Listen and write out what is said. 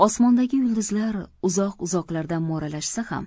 osmondagi yulduzlar uzoq uzoqlardan mo'ralashsa ham